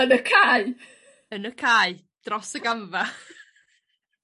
Yn y cae. Yn y cae. Dros y gamfa.